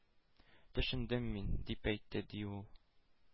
Төшендем мин, — дип әйтте, ди, ул.